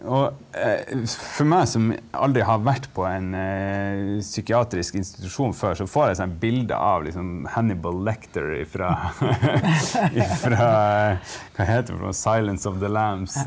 og for meg som aldri har vært på en psykiatrisk institusjon før, så får jeg sånn et bilde av liksom Hannibal Lecter ifra ifra , hva heter det for noe, Silence of the lambs.